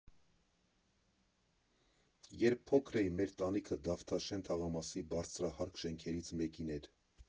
Երբ փոքր էի, մեր տանիքը Դավթաշեն թաղամասի բարձրահարկ շենքերից մեկին էր։